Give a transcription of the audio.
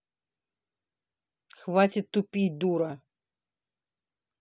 хватит тупить дура